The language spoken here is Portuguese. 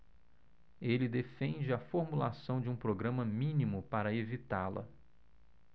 ele defende a formulação de um programa mínimo para evitá-la